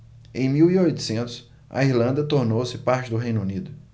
em mil e oitocentos a irlanda tornou-se parte do reino unido